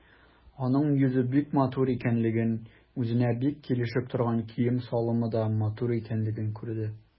Аның йөзе бик матур икәнлеген, үзенә бик килешеп торган кием-салымы да матур икәнлеген күрде.